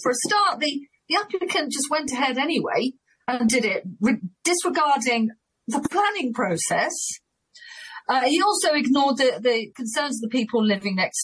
For a start the the applicant just went ahead anyway and did it, re- disregarding the planning process, uh he also ignored the the concerns of the people living next door.